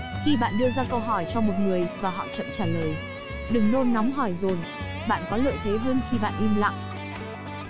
khi bạn đưa ra câu hỏi cho một người và họ chậm trả lời đừng nôn nóng hỏi dồn bạn có lợi thế hơn khi bạn im lặng